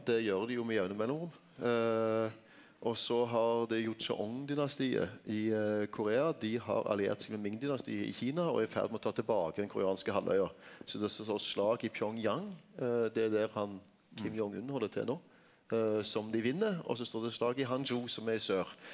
det gjer dei jo med jamne mellomrom og så har dynastiet i Korea dei har alliert seg med Ming-dynastiet i Kina og er i ferd med å ta tilbake den koreanske halvøya slaget i Pyongyang det er der han Kim Jong Un held til nå som dei vinn og så står det slag i Han Jo som er i sør.